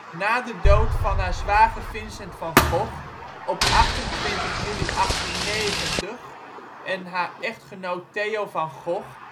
Na de dood van haar zwager Vincent van Gogh op 29 juli 1890 en haar echtgenoot Theo van Gogh